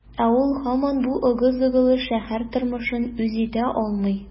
Ә ул һаман бу ыгы-зыгылы шәһәр тормышын үз итә алмый.